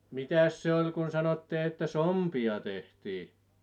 mitäs se oli kun sanoitte että sompia tehtiin